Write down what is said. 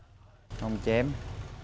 hông chém